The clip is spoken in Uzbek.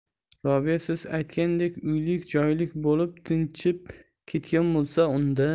robiya siz aytgandek uylik joylik bo'lib tinchib ketgan bo'lsa unda